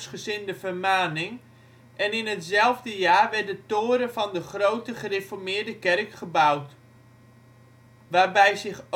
Vermaning en in hetzelfde jaar werd de toren van de grote gereformeerde kerk gebouwd, waarbij zich